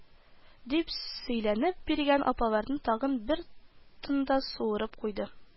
" дип сөйләнеп, биргән апараны тагы бер тында суырып куйды